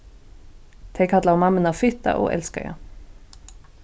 tey kallaðu mammuna fitta og elskaða